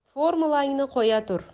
formulangni qo'ya tur